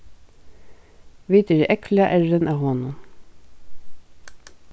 vit eru ógvuliga errin av honum